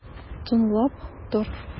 Тыңлап тор!